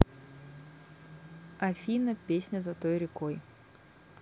афина песня за той рекой